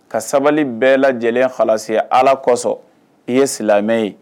Ka sabali bɛɛ lajɛlen walasa ala kosɔn i ye silamɛmɛ ye